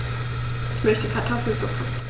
Ich möchte Kartoffelsuppe.